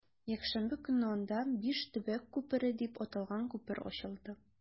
Якшәмбе көнне анда “Биш төбәк күпере” дип аталган күпер ачылды.